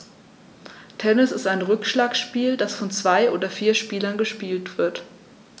Tennis ist ein Rückschlagspiel, das von zwei oder vier Spielern gespielt wird.